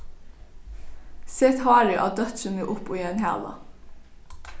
set hárið á dóttrini upp í ein hala